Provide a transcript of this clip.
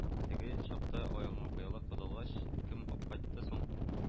– теге чакта, аягыңа пыяла кадалгач, кем апкайтты соң